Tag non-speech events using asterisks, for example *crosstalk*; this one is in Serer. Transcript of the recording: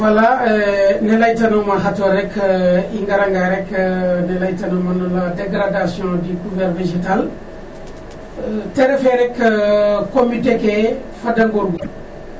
wala *hesitation* ne laytanuma xatoor rek i ngaranga rek ne laytanuuma nuun dégradation ;fra du couvert végétale ta ref e rek comité ke fada ngoorgoorlu.